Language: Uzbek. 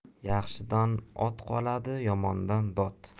yaxshidan ot qoladi yomondan dod